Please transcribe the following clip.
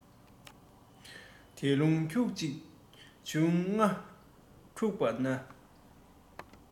ཐད རླུང འཁྱུག ཅིང འབྱུང ལྔ འཁྲུགས པས ན